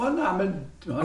Wel na, mae'n t'mod?